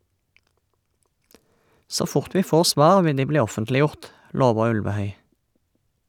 Så fort vi får svar vil de bli offentliggjort , lover Ulvehøj.